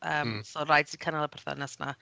Yym... mm. ...so oedd raid ti cynnal y perthynas 'na.